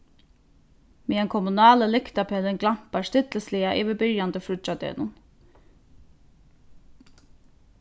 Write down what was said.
meðan kommunali lyktarpelin glampar stillisliga yvir byrjandi fríggjadegnum